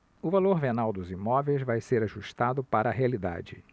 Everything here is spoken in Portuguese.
o valor venal dos imóveis vai ser ajustado para a realidade